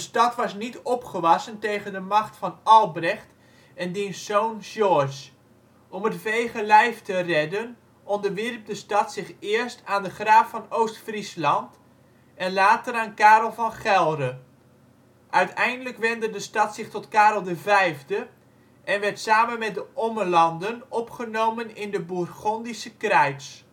stad was niet opgewassen tegen de macht van Albrecht en diens zoon George. Om het vege lijf te redden onderwierp de stad zich eerst aan de graaf van Oost-Friesland en later aan Karel van Gelre. Uiteindelijk wendde de stad zich tot Karel V en werd samen met de Ommelanden opgenomen in de Bourgondische Kreits